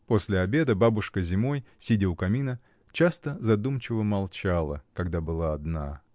После обеда бабушка, зимой, сидя у камина, часто задумчиво молчала, когда была одна.